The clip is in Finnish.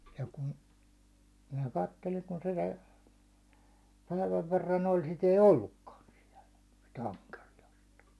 ja kun minä katselin kun se jäi päivän verran oli sitä ei ollutkaan siellä sitä ankeriasta